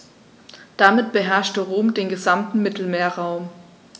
Damit beherrschte Rom den gesamten Mittelmeerraum.